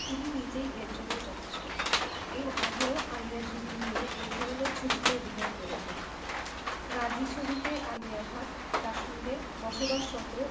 তিনি নিজেই এর জন্য যথেষ্ট এর আগেও আলিয়া ঝুঁকি নিয়ে এ ধরনের ছবিতে অভিনয় করেছেন রাজী ছবিতে আলিয়া ভাট কাশ্মীরে বসবাসরত